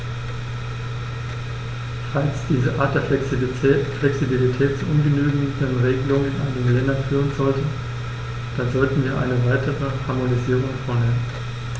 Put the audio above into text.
Falls diese Art der Flexibilität zu ungenügenden Regelungen in einigen Ländern führen sollte, dann sollten wir eine weitere Harmonisierung vornehmen.